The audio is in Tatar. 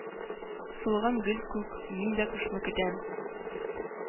Сулган гөл күк, мин дә кышны көтәм,